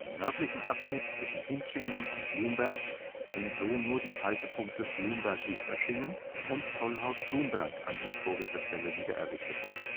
nördlichen Abschnitt zwischen Hintschingen und Blumberg sind so nur die Haltepunkte Blumberg-Riedöschingen und Zollhaus-Blumberg an historischer Stelle wiedererrichtet worden